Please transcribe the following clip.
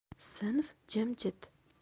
sinf jimjit